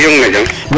i yong na jam